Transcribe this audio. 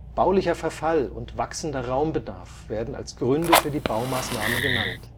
Baulicher Verfall und wachsender Raumbedarf werden als Gründe für die Baumaßnahme genannt